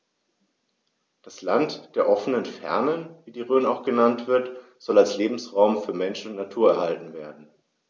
Das „Land der offenen Fernen“, wie die Rhön auch genannt wird, soll als Lebensraum für Mensch und Natur erhalten werden.